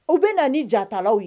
U bɛ na ni jatalawraw ye